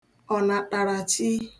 ọ̀nàṭàràchi